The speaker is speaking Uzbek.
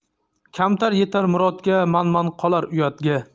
kamtar yetar murodga manman qolar uyatga